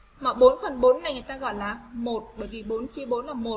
mở này ta gọi là